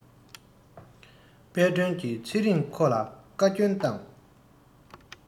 དཔལ སྒྲོན གྱི ཚེ རིང ཁོ ལ བཀའ བསྐྱོན བཏང